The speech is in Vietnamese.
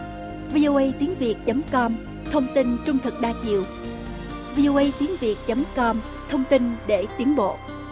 vi ô ây tiếng việt chấm com thông tin trung thực đa chiều vi ô ây tiếng việt chấm com thông tin để tiến bộ